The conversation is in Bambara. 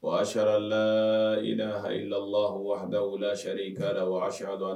Wasala yira ha la wahada wulila sariyari ka la wa a sariya don la